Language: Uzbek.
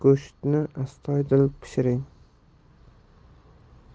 go'shtni astoydil pishiring